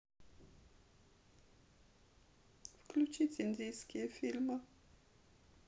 включить индийские фильмы